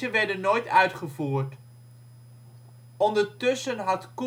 werden nooit uitgevoerd. Ondertussen had